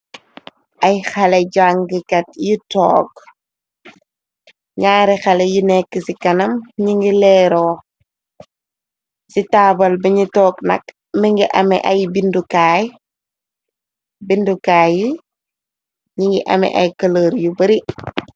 Ay xale jàngkat yi toog, ñaari xale yi nekk ci kanam ni ngi leeroo, ci taabal biñi toog nag mi ngi m abindukaay, yi ñi ngi ame ay këlër yu bari.